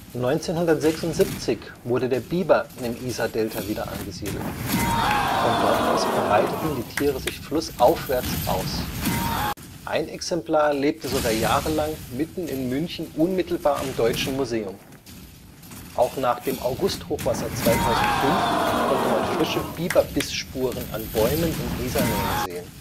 1976 wurde der Biber im Isardelta wieder angesiedelt. Von dort aus breiteten die Tiere sich flussaufwärts aus. Ein Exemplar lebte sogar jahrelang mitten in München unmittelbar am Deutschen Museum. Auch nach dem August-Hochwasser 2005 konnte man frische Biberbissspuren an Bäumen in Isarnähe sehen